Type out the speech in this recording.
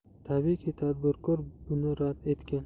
tabiiyki tadbirkor buni rad etgan